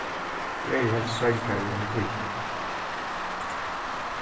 eg eri helst svangari enn tit